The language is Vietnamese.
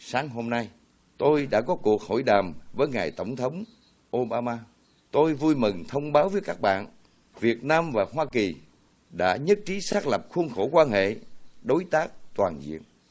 sáng hôm nay tôi đã có cuộc hội đàm với ngài tổng thống ô ba ma tôi vui mừng thông báo với các bạn việt nam và hoa kỳ đã nhất trí xác lập khuôn khổ quan hệ đối tác toàn diện